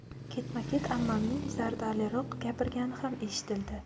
ketma ket ammamning zardaliroq gapirgani ham eshitildi